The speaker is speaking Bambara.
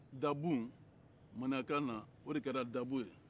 da bon maninkakan na o de kɛra dabo ye